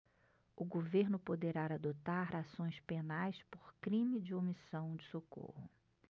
o governo poderá adotar ações penais por crime de omissão de socorro